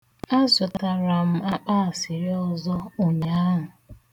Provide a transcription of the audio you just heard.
Azụtara m akpaasịrị ọzọ ụnyaahụ.